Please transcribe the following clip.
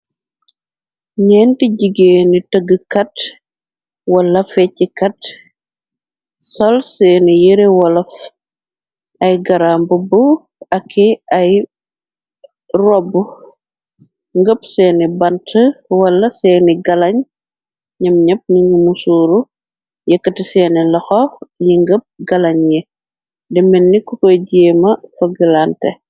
Nyeenti jigeeni tëggikat wala fee ci kat sol seeni yere wala ay garambu bu aki ay robb ngëpp seeni bant wala seeni galañ ñam ñepp ningi mu suuru yekkti seeni loxo yi ngëp galañ yi de menni ko koy jéema fogolante.